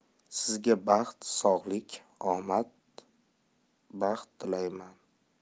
sizga baxt sog'lik omad baxt tilayman